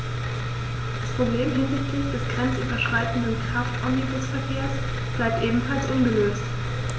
Das Problem hinsichtlich des grenzüberschreitenden Kraftomnibusverkehrs bleibt ebenfalls ungelöst.